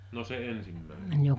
no se ensimmäinen